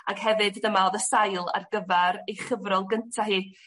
...ag hefyd dyma odd y sail ar gyfar ei chyfrol gynta hi.